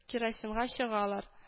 Керосинга чыгалар